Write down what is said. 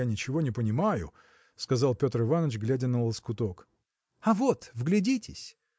Я ничего не понимаю, – сказал Петр Иваныч, глядя на лоскуток. – А вот, вглядитесь.